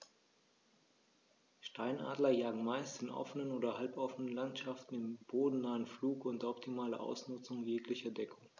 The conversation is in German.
Steinadler jagen meist in offenen oder halboffenen Landschaften im bodennahen Flug unter optimaler Ausnutzung jeglicher Deckung.